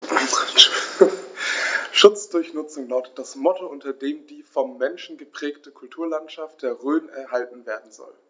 „Schutz durch Nutzung“ lautet das Motto, unter dem die vom Menschen geprägte Kulturlandschaft der Rhön erhalten werden soll.